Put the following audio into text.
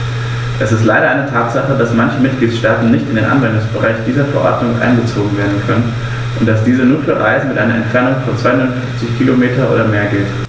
Es ist leider eine Tatsache, dass manche Mitgliedstaaten nicht in den Anwendungsbereich dieser Verordnung einbezogen werden können und dass diese nur für Reisen mit einer Entfernung von 250 km oder mehr gilt.